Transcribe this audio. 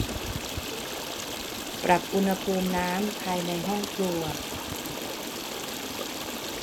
ปรับอุณหภูมิน้ำภายในห้องครัว